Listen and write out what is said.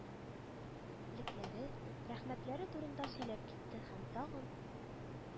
Лекләре, рәхмәтләре турында сөйләп китте һәм тагын